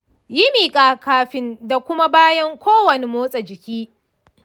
yi miƙa kafin da kuma bayan kowane motsa jiki.